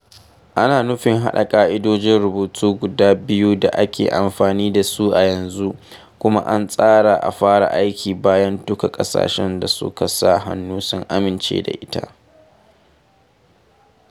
Ana nufin haɗa ƙa’idojin rubutu guda biyu da ake amfani da su a yanzu, kuma an tsara a fara aiki bayan duka ƙasashen da suka sa hannu sun amince da ita.